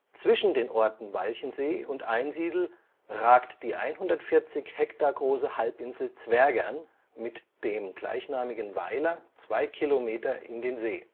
Zwischen den Orten Walchensee und Einsiedl ragt die 140 Hektar große Halbinsel Zwergern mit dem gleichnamigen Weiler zwei Kilometer in den See